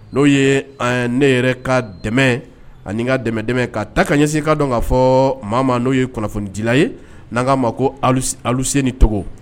N'o yee ɛ ne yɛrɛ ka dɛmɛ ani ŋa dɛmɛ-dɛmɛ k'a ta ka ɲɛsin i ka dɔn ŋa fɔɔ maa ma n'o ye kunnafonidila ye n'an ŋ'a ma ko alus Aluseni Togo